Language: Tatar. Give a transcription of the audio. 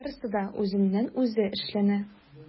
Барысы да үзеннән-үзе эшләнә.